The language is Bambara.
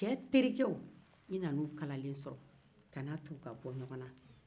i nana cɛ terikew kalalen sɔrɔ kan'a to u ka bɔ ɲɔgɔn na